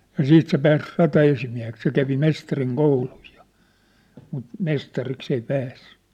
ja sitten se pääsi rataesimieheksi se kävi mestarin koulun jo mutta mestariksi ei päässyt